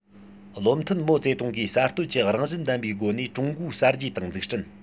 བློ མཐུན མའོ ཙེ ཏུང གིས གསར གཏོད ཀྱི རང བཞིན ལྡན པའི སྒོ ནས ཀྲུང གོའི གསར བརྗེ དང འཛུགས སྐྲུན